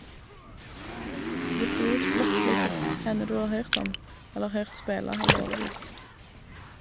Virtuos blokkfløytist, henne du har høyrt om, eller høyrt spela, i årevis.